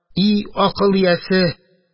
И акыл иясе!